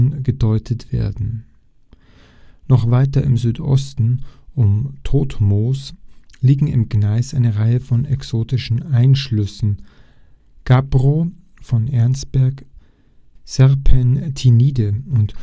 gedeutet werden. Noch weiter im Südosten (um Todtmoos) liegen im Gneis eine Reihe von exotischen Einschlüssen (Gabbro von Ehrsberg, Serpentinite und